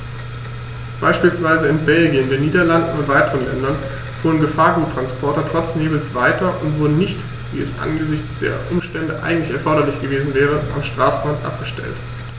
Beispielsweise in Belgien, den Niederlanden und weiteren Ländern fuhren Gefahrguttransporter trotz Nebels weiter und wurden nicht, wie es angesichts der Umstände eigentlich erforderlich gewesen wäre, am Straßenrand abgestellt.